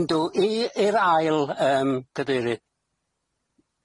Yndw i i'r ail yym cadeirydd.